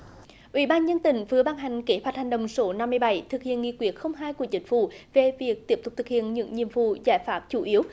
ủy ban nhân tình vừa ban hành kế hoạch hành động số năm mươi bảy thực hiện nghị quyết không hai của chính phủ về việc tiếp tục thực hiện những nhiệm vụ giải pháp chủ yếu